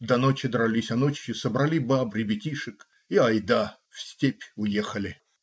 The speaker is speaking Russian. До ночи дрались, а ночью собрали баб, ребятишек и айда, в степь уехали.